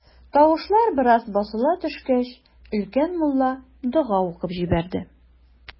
Тавышлар бераз басыла төшкәч, өлкән мулла дога укып җибәрде.